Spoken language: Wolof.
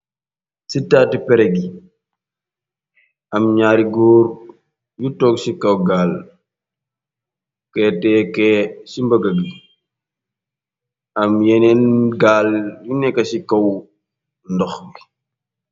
Ci taati perég yi am ñaari góor yu tog ci kaw gaal petéke ci mbëga gi am yeneen gaal yu nekk ci kaw ndox bi.